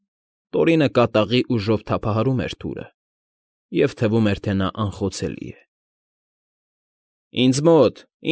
Տորինը կատաղի ուժով թափահարում էր թուրը, և թվում էր, թե նա անխոցելի է։ ֊ Ինձ մո՜տ։